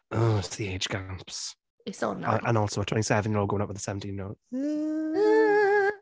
Oh, it's the age gaps... It's not nice... And also a twenty seven year old going out with a seventeen year old. Uhh.